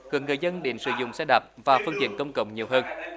cần người dâng đến sử dụng xe đạp và phương tiện công cộng nhiều hơn